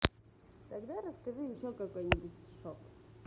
тогда расскажи еще какой нибудь стишок